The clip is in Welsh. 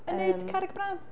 Yn wneud Carreg Brân?